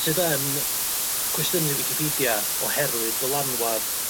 Sydd yn cwestiynnu Wicipidia oherwydd dylanwad